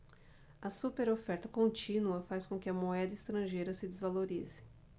a superoferta contínua faz com que a moeda estrangeira se desvalorize